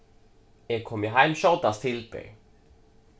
eg komi heim skjótast til ber